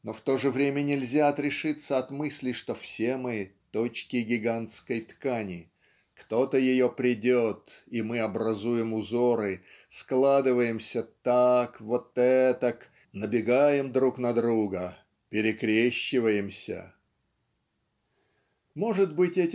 но в то же время нельзя отрешиться от мысли, что "все мы точки гигантской ткани кто-то ее прядет и мы образуем узоры складываемся так вот этак набегаем друг на друга перекрещиваемся". Может быть